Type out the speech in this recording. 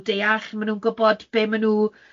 gwybod be maen nhw,